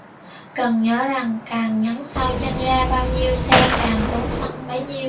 cần nhớ rằng càng nhấn sâu chân ga bao nhiêu xe càng tốn xăng bấy nhiêu